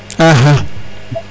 axa